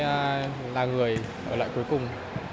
là người ở lại cuối cùng